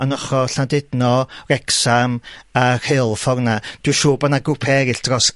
yn ochor Llandudno, Wrecsam ag fordd yna. Dwi'n siŵr bo' 'na grwpe eryll dros